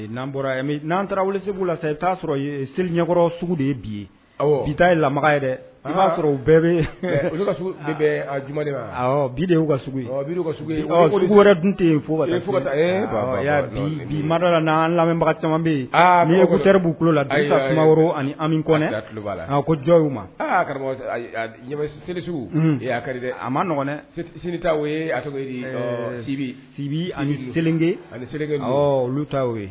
'an bɔra mɛ n'an taara segu lase i t'a sɔrɔ seli ɲɛkɔrɔ sugu de bita ye la ye dɛ o'a sɔrɔ o bɛɛ bɛ bi ka wɛrɛ dunte bi mada la n'an lamɛnbaga caman bɛ n'i ye ko teriribu tulo la kuma ani la ko jɔn seli de y'a a ma nɔgɔɛ seli yebi sibi ani anike olu ye